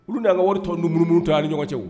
Olu nia ka wari tɔ niumunu to ni ɲɔgɔn cɛ